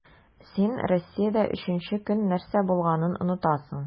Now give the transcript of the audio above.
Син Россиядә өченче көн нәрсә булганын онытасың.